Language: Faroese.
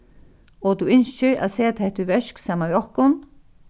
og tú ynskir at seta hetta í verk saman við okkum